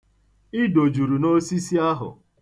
Ido juru n'osisi ahụ.